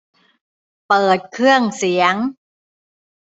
เปิดเครื่องเสียง